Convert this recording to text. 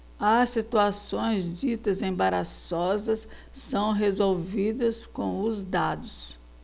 as situações ditas embaraçosas são resolvidas com os dados